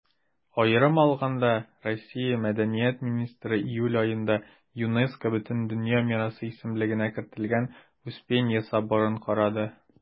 Аерым алганда, Россия Мәдәният министры июль аенда ЮНЕСКО Бөтендөнья мирасы исемлегенә кертелгән Успенья соборын карады.